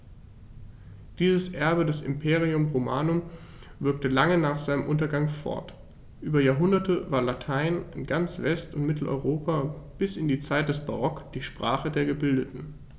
Dieses Erbe des Imperium Romanum wirkte lange nach seinem Untergang fort: Über Jahrhunderte war Latein in ganz West- und Mitteleuropa bis in die Zeit des Barock die Sprache der Gebildeten.